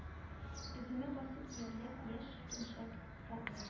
Эземә басып диярлек яшьҗилкенчәк атлый